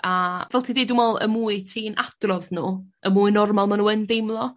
a fel ti deud dwi me'wl y mwy ti'n adrodd nw y mwy normal ma' nw yn deimlo.